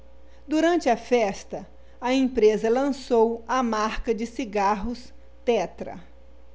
durante a festa a empresa lançou a marca de cigarros tetra